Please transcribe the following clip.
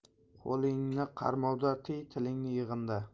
qo'lingni qarmovda tiy tilingni yig'inda